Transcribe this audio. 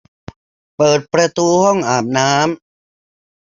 เปิดประตูห้องอาบน้ำ